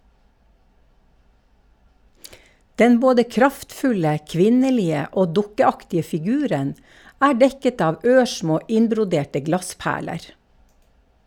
Den både kraftfulle, kvinnelige og dukkeaktige figuren er dekket av ørsmå, innbroderte glassperler.